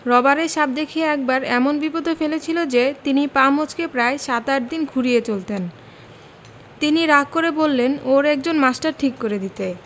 রবারের সাপ দেখিয়ে একবার এমন বিপদে ফেলেছিল যে তিনি পা মচ্ কে প্রায় সাত আটদিন খুঁড়িয়ে চলতেন তিনি রাগ করে বললেন ওর একজন মাস্টার ঠিক করে দিতে